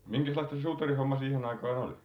minkäslaista se suutarihomma siihen aikaan oli